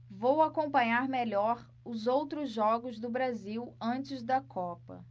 vou acompanhar melhor os outros jogos do brasil antes da copa